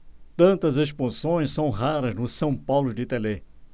tantas expulsões são raras no são paulo de telê